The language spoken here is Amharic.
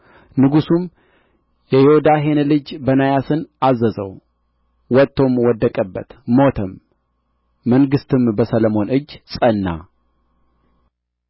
ንጉሡም የዮዳሄን ልጅ በናያስን አዘዘው ወጥቶም ወደቀበት ሞተም መንግሥትም በሰሎሞን እጅ ጸና